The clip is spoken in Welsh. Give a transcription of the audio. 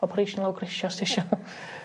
operation lawr grisia os tisio.